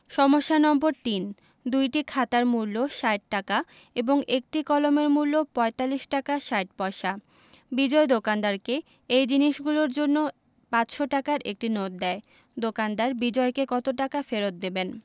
সমস্যা নম্বর ৩ দুইটি খাতার মূল্য ৬০ টাকা এবং একটি কলমের মূল্য ৪৫ টাকা ৬০ পয়সা বিজয় দোকানদারকে এই জিনিসগুলোর জন্য ৫০০ টাকার একটি নোট দেয় দোকানদার বিজয়কে কত টাকা ফেরত দেবেন